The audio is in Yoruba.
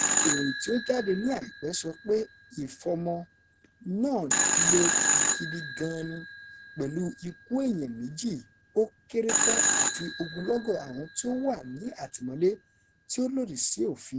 Ìròyìn tí ó jáde ní àìpẹ́ sọ pé "ìfọ̀mọ́ " náà le gidi gan-an ni, pẹ̀lú ikú èèyàn méjì ó kéré tán àti ogunlọ́gọ̀ àwọn tí ó wà ní àtìmọ́lé tí ó lòdì sí òfin.